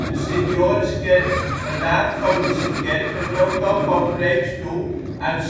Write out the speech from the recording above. St. Joriskerk, laatgotische kerk met rococo preekstoel uit